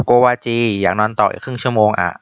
โกวาจีอยากนอนต่ออีกครึ่งชั่วโมงอะ